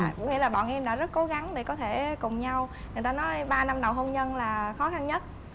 dạ có nghĩa là bọn em đã rất cố gắng để có thể cùng nhau người ta nói ba năm đầu hôn nhân là khó khăn nhất